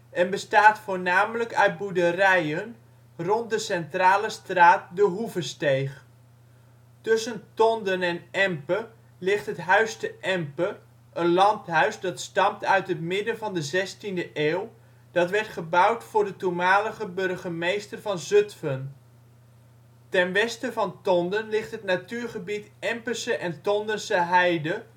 en bestaat voornamelijk uit boerderijen rond de centrale straat de Hoevesteeg. Tussen Tonden en Empe ligt het Huis te Empe, een landhuis dat stamt uit het midden van de zestiende eeuw, dat werd gebouwd voor de toenmalige burgemeester van Zutphen. Ten westen van Tonden ligt het natuurgebied Empese en Tondense heide